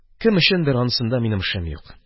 Кем өчендер, анысында минем эшем юк.